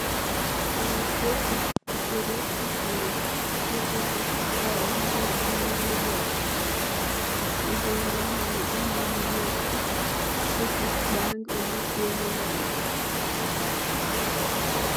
Fii jeuhsit bu teda cii suff, jeuhsit bii cii kawam mungy ameh lu wehrrt, cii bohram mungy ameh lu vert, jeuhsit baangy oubi gehmengh njam bii.